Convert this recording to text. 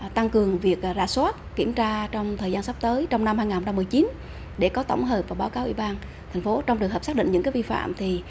à tăng cường việc rà soát kiểm tra trong thời gian sắp tới trong năm hai ngàn không trăm mười chín để có tổng hợp và báo cáo ủy ban thành phố trong trường hợp xác định những cái vi phạm thì